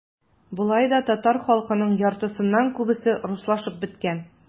Болай да татар халкының яртысыннан күбесе - руслашып беткән.